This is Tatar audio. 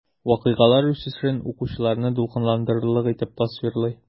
Вакыйгалар үсешен укучыларны дулкынландырырлык итеп тасвирлый.